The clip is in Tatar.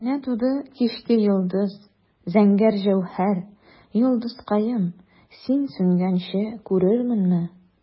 Менә туды кичке йолдыз, зәңгәр җәүһәр, йолдызкаем, син сүнгәнче күрерменме?